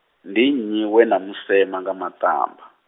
ndi nnyi we na mu sema nga maṱamba?